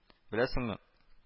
Беләсеңме